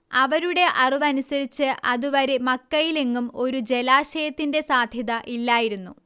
അവരുടെ അറിവനുസരിച്ച് അത് വരെ മക്കയിലെങ്ങും ഒരു ജലാശയത്തിന്റെ സാധ്യത ഇല്ലായിരുന്നു